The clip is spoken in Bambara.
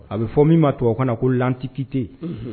A bɛ fɔ min ma to o ka na ko tikite